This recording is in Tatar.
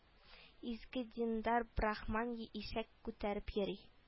Изге диндар брахман ишәк күтәреп йөри